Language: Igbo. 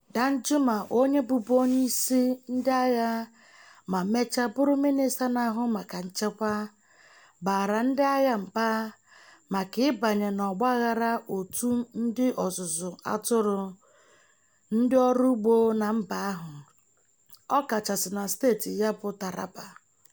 Danjuma, onye bụbu onyeisi ndị agha ma mechaa bụrụ mịnịsta na-ahụ maka nchekwa, baara ndị agha mba maka ịbanye n'ọgbaghara òtù ndị ọzụzụ atụrụ/ndị ọrụ ugbo na mba ahụ, ọ kachasị na steeti ya bụ Taraba.